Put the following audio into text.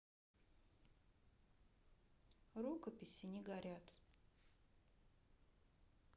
рукописи не горят